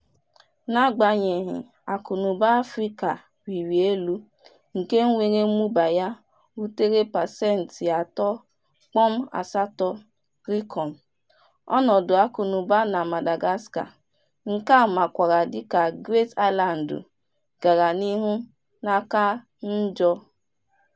N'agbanyeghị akụnaụba Afrịka rịrị elu nke nwere mmụba ya rutere pasenti 3.8, ọnọdụ akụnaụba na Madagascar, nke a makwaara dịka Great Island, gara n'ihu na-aka njọ.